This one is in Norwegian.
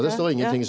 ja ja.